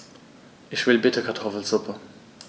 Ich will bitte Kartoffelsuppe.